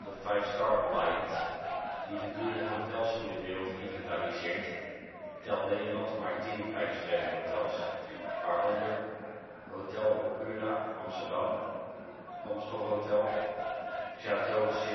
vijfsterrenhotels maar volgens de Five Star Alliance, die de dure hotels in de wereld inventariseert, telt Nederland maar 10 vijfsterrenhotels, waaronder; Hotel Okura Amsterdam, Amstel Hotel, Château St.